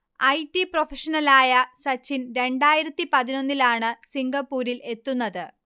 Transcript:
I. T പ്രൊഫഷണലായ സച്ചിൻ രണ്ടായിരത്തി പതിനൊന്നിലാണ് സിംഗപ്പൂരിൽ എത്തുന്നത്